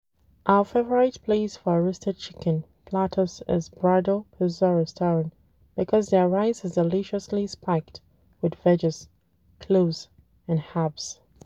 Our favorite place for roasted chicken platters is Brador Pizza Restaurant because their rice is deliciously spiked with veggies, cloves and herbs.